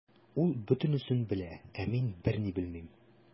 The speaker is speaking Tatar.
Ул бөтенесен белә, ә мин берни белмим.